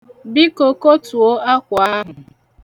Biko, kotuo akwa ahụ.